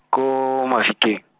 ko Mafikeng.